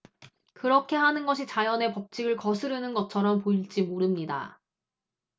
그렇게 하는 것이 자연의 법칙을 거스르는 것처럼 보일지 모릅니다